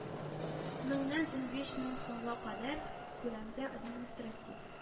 Меңнән унбиш мең сумга кадәр күләмдә административ